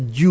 waaw